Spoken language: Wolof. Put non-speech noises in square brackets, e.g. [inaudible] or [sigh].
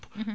[hesitation] [hesitation]